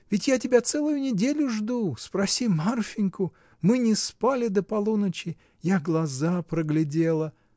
Ведь я тебя целую неделю жду: спроси Марфиньку — мы не спали до полуночи, я глаза проглядела.